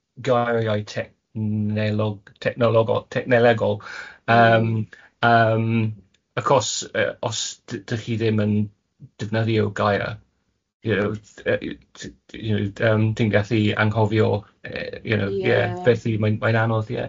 gairiau tech- nelog- technol- technelolegol yym yym achos os d- dach chi ddim yn defnyddio gair you know y- y- you know yym ti'n gallu anghofio you know... Ie. ...beth i mae'n mae'n anodd... Ie.